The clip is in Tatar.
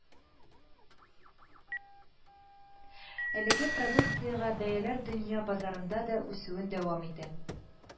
Әлеге продукциягә бәяләр дөнья базарында да үсүен дәвам итә